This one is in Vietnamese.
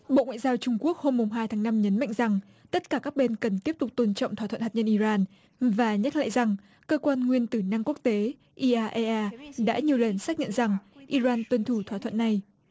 bộ ngoại giao trung quốc hôm mùng hai tháng năm nhấn mạnh rằng tất cả các bên cần tiếp tục tôn trọng thỏa thuận hạt nhân i ran và nhắc lại rằng cơ quan nguyên tử năng quốc tế i a e a đã nhiều lần xác nhận rằng i ran tuân thủ thỏa thuận này